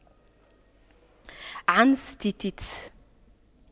عنز استتيست